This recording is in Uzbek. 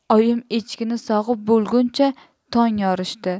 oyim echkini sog'ib bo'lguncha tong yorishdi